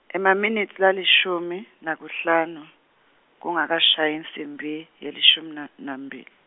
Emaminitsi lalishumi nakuhlanu kungakashayi insimbi yelishumi na nambili.